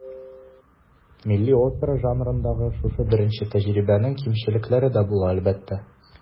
Милли опера жанрындагы шушы беренче тәҗрибәнең кимчелекләре дә була, әлбәттә.